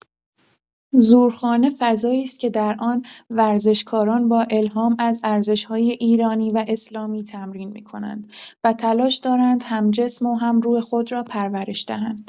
زورخانه فضایی است که در آن ورزشکاران با الهام از ارزش‌های ایرانی و اسلامی تمرین می‌کنند و تلاش دارند هم جسم و هم روح خود را پرورش دهند.